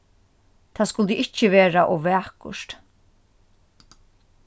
tað skuldi ikki vera ov vakurt